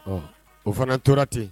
Ɔ o fana tora ten